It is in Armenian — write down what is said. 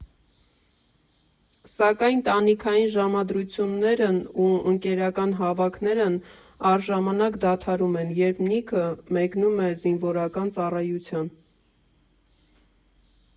Սակայն տանիքային ժամադրություններն ու ընկերական հավաքներն առժամանակ դադարում են, երբ Նիքը մեկնում է զինվորական ծառայության։